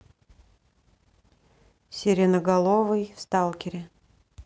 сиреноголовый в сталкере